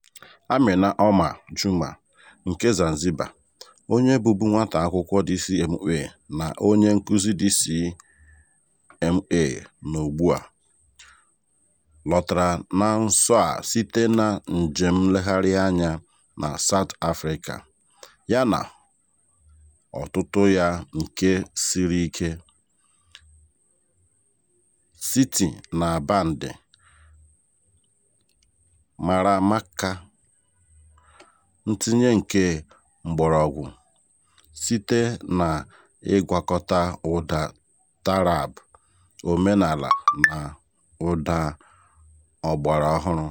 Amina Omar Juma nke Zanzibar, onye bụbu nwata akwụkwọ DCMA na onye nkụzi DCMA nọ ugbu a, lọtara na nso a site na njem nlegharị anya na South Africa ya na otuto ya nke siri ike, "Siti and the Band", mara maka "ntinye nke mgbọrọgwụ" site na ịgwakọta ụda taarab omenaala na ụda ọgbara ọhụrụ.